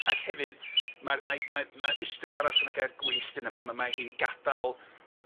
Ac hefyd ma'r mae mae ma' ystyr arall yn y gair gwyllt yna ma' ma' mae hi'n gadal